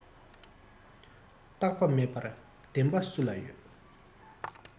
རྟག པ མེད པར བདེན པ སུ ལ ཡོད